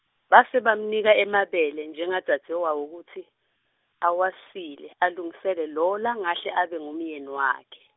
base bamnika emabele njengadzadzewabo kutsi awasile alungisele lowo longahle abe ngumyeni wakhe.